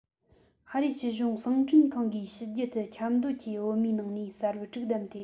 ཨ རིའི སྤྱི གཞུང གསང འཕྲིན ཁང གིས ཕྱི རྒྱལ དུ འཁྱམ སྡོད ཀྱི བོད མིའི ནང ནས གསར བུ དྲུག བདམས ཏེ